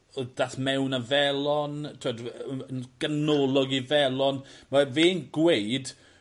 o'dd dath mewn â Velon t'wod yn ganolog i Velon ma' fe'n gweud